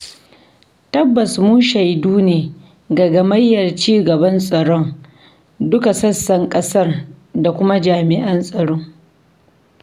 Tabbas mu shaidu ne ga gamayyar ci gaban tsaron duka sassan ƙasar da kuma jami'an tsaro.